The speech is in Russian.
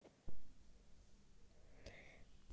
а ты хочешь в попу